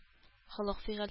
Холык-фигыль